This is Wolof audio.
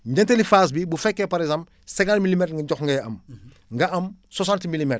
ñeenteeli phase bi bu fekkee par exemple 50 milimètres nga jox ngay am nga am 60 milimètres